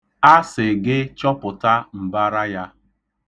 A sị gị chọpụta mbara ya.